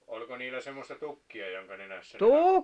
oliko niillä semmoista tukkia jonka nenässä ne -